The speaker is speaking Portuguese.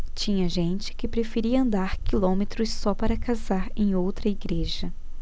tinha gente que preferia andar quilômetros só para casar em outra igreja